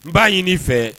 N b'a ɲin' i fɛ